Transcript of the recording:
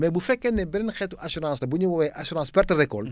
mais bu fekkee ne beneen xeetu assurance la bu ñuy woowee assurance perte récolte